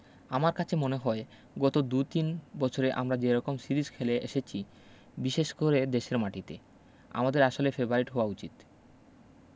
আমার কাছে মনে হয় গত দু তিন বছরে আমরা যে রকম সিরিজ খেলে এসেছি বিশেষ করে দেশের মাটিতে আমাদের আসলে ফেবারিট হওয়া উচিত